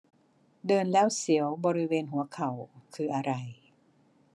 เดินแล้วเสียวบริเวณหัวเข่าคืออะไร